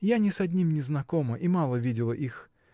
— Я ни с одним не знакома и мало видела их.